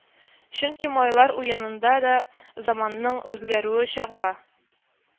Чөнки малайлар уенында да заманның үзгәрүе чагыла